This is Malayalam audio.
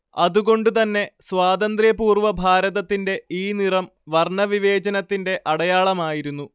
അതുകൊണ്ടുതന്നെ സ്വാന്ത്രപൂർവ്വ ഭാരതത്തിന്റെ ഈ നിറം വർണ്ണവിവേചനത്തിന്റെ അടയാളമായിരുന്നു